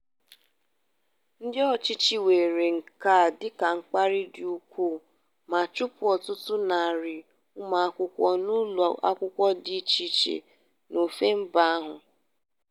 Ndị ọchịchị weere nke a dịka mkparị dị ukwuu ma chụpụ ọtụtụ narị ụmụakwụkwọ n'ụlọakwụkwọ dị icheiche n'ofe mba ahụ.